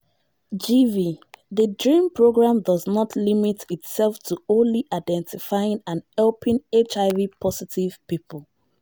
GV: The DREAM programme does not limit itself to only identifying and helping HIV-positive people.